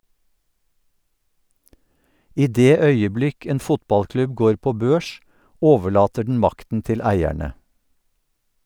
I det øyeblikk en fotballklubb går på børs, overlater den makten til eierne.